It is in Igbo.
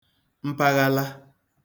mpaghala